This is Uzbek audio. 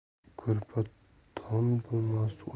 ko'rpa to'n bo'lmas